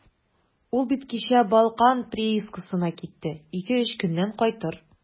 Ул бит кичә «Балкан» приискасына китте, ике-өч көннән кайтыр.